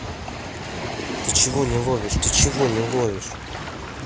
ты чего не ловишь ты чего не ловишь